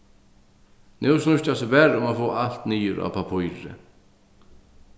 nú snýr tað seg bara um at fáa alt niður á pappírið